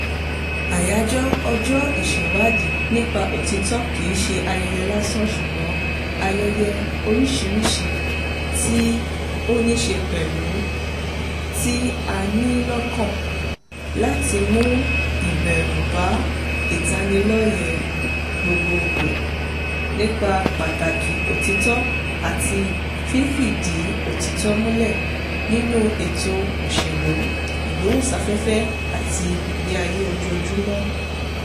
Àyájọ́ Ọjọ́-Ìṣèwádìí nípa Òtítọ́ kì í ṣe ayẹyẹ lásán, ṣùgbọ́n ayẹyẹ oríṣìíríṣìí tí ó níṣe pẹ̀lú tí a ní lọ́kàn láti mú ìgbèrú bá ìlanilọ́yẹ̀ gbogbogbò nípa pàtàkì òtítọ́ -- àti fífìdí-òtítọ́-múlẹ̀--- nínúètò òṣèlú, ìgbóhùnsáfẹ́fẹ́, àti ìgbé ayé ojoojúmọ́.